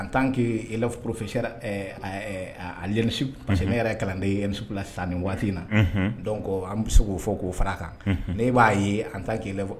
An'an k ke effe sɛ yɛrɛ kalanden su la san ni waati in na dɔn an bɛ se k'o fɔ k'o fara a kan ne e b'a ye an taa k'i fɔ